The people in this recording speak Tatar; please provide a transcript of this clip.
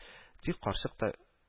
Тик карчык та